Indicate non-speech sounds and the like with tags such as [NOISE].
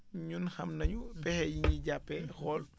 ñun xam nañu pexe [NOISE] yi ñuy jàppee xool